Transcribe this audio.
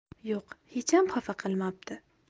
yo'q hecham xafa qilmabdi